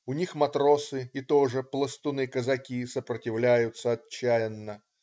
У них матросы и тоже пластуны-казаки сопротивляются отчаянно.